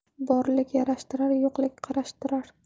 borlik yarashtirar yo'qlik qarashtirar